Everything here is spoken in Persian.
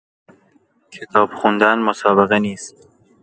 کتاب خوندن مسابقه نیست.